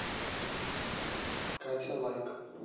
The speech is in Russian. катя лайк